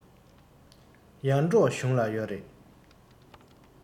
ཡར འབྲོག གཞུང ལ ཡོག རེད